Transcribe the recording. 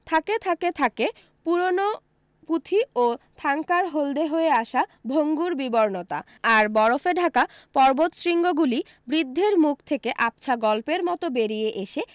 থাকে থাকে থাকে পুরনো পুঁথি ও থাংকার হলদে হয়ে আসা ভঙ্গুর বিবর্ণতা আর বরফে ঢাকা পর্বতশৃঙ্গগুলি বৃদ্ধের মুখ থেকে আবছা গল্পের মতো বেরিয়ে এসে